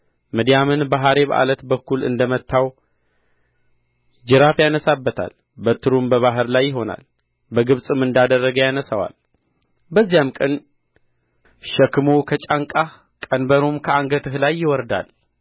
ምድያምን በሔሬብ ዓለት በኩል እንደ መታው ጅራፍ ያነሣበታል በትሩም በባሕር ላይ ይሆናል በግብጽም እንዳደረገ ያነሣዋል በዚያም ቀን ሸክሙ ከጫንቃህ ቀንበሩም ከአንገትህ ላይ ይወርዳል